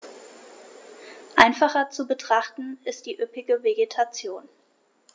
Einfacher zu betrachten ist die üppige Vegetation.